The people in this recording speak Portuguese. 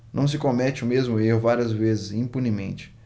não se comete o mesmo erro várias vezes impunemente